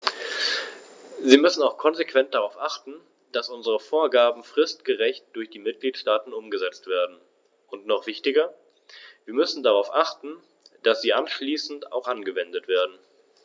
Wir müssen auch konsequent darauf achten, dass unsere Vorgaben fristgerecht durch die Mitgliedstaaten umgesetzt werden, und noch wichtiger, wir müssen darauf achten, dass sie anschließend auch angewendet werden.